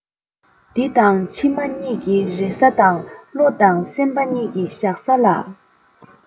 འདི དང ཕྱི མ གཉིས ཀྱི རེ ས དང བློ དང སེམས པ གཉིས ཀྱི བཞག ས ལ